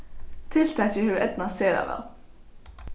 tiltakið hevur eydnast sera væl